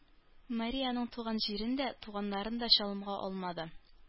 Мария аның туган җирен дә, туганнарын да чалымга алмады.